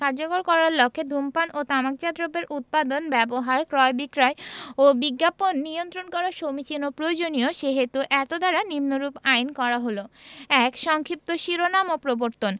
কার্যকর করার লক্ষ্যে ধূমপান ও তামাকজাত দ্রব্যের উৎপাদন ব্যবহার ক্রয় বিক্রয় ও বিজ্ঞাপন নিয়ন্ত্রণ করা সমীচীন ও প্রয়োজনীয় সেহেতু এতদ্বারা নিম্নরূপ আইন করা হইল ১ সংক্ষিপ্ত শিরোনাম ও প্রবর্তনঃ